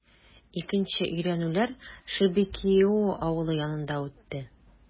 Икенче өйрәнүләр Шебекиио авылы янында үтте.